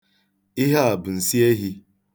Ihe a bụ nsị ehi.